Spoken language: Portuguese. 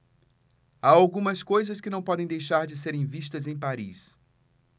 há algumas coisas que não podem deixar de serem vistas em paris